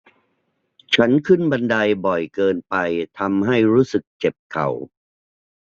ฉันขึ้นบันไดบ่อยเกินไปทำให้รู้สึกเจ็บเข่า